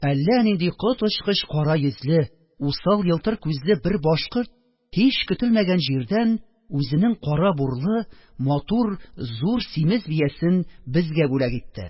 Әллә нинди коточкыч кара йөзле, усал елтыр күзле бер башкорт һич көтелмәгән җирдән үзенең кара бурлы, матур, зур симез биясен безгә бүләк итте,